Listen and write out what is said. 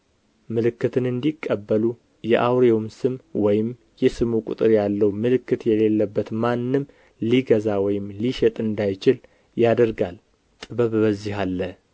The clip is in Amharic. ምልክትን እንዲቀበሉ የአውሬውም ስም ወይም የስሙ ቍጥር ያለው ምልክት የሌለበት ማንም ሊገዛ ወይም ሊሸጥ እንዳይችል ያደርጋል ጥበብ በዚህ አለ